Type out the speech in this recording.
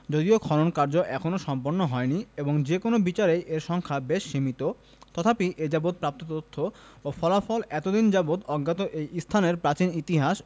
যদিও খনন কার্য এখনও সম্পূর্ণ হয়নি এবং যে কোন বিচারেই এর সংখ্যা বেশ সীমিত তথাপি এ যাবৎ প্রাপ্ত তথ্য ও ফলাফল এতদিন যাবৎ অজ্ঞাত এই স্থানের প্রাচীন ইতিহাস